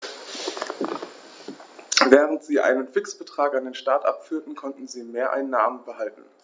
Während sie einen Fixbetrag an den Staat abführten, konnten sie Mehreinnahmen behalten.